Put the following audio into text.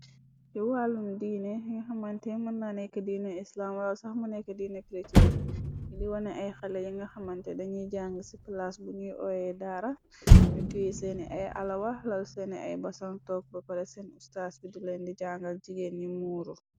Ci wàllum diine nga xamante mën nane ka diine islam wala sax mëne ka diine Kristian yi di wane ay xalèh yi nga xamante dañiy jànga ci palas bu ñuy óyeh daara ñu teyeh seeni ay alawa lal seeni ay basan took ba pare seen oustass bi di lèèn jangal jigéen ñi muuru.